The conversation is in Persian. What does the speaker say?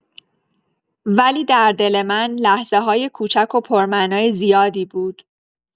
ولی در دل من لحظه‌های کوچک و پرمعنای زیادی بود.